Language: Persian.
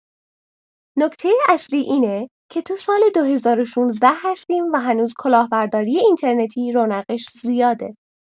نکته اصلی اینه که تو سال ۲۰۱۶ هستیم و هنوز کلاه‌برداری اینترنتی رونقش زیاده.